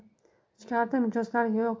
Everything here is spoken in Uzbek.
ichkarida mijozlar yo'q